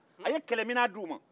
a ye kɛlɛ minna d'u ma